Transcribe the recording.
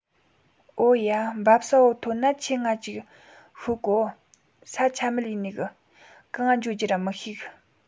ཨོ ཡ འབབ ས བོ ཐོན ན ཁྱོས ང ཅིག ཤོད གོ ས ཆ མེད ཡིན ནོ གིས གང ང འགྱོ རྒྱུ ར མི ཤེས གི